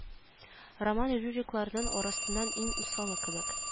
Роман-рюрикларның арасыннан иң усалы кебек